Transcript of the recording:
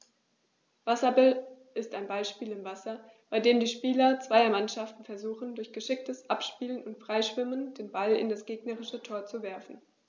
Wasserball ist ein Ballspiel im Wasser, bei dem die Spieler zweier Mannschaften versuchen, durch geschicktes Abspielen und Freischwimmen den Ball in das gegnerische Tor zu werfen.